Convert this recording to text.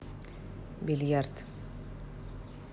бильярд